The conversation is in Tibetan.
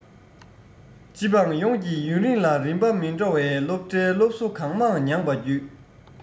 སྤྱི འབངས ཡོངས ཀྱིས ཡུན རིང ལ རིམ པ མི འདྲ བའི སློབ གྲྭའི སློབ གསོ གང མང མྱངས པ བརྒྱུད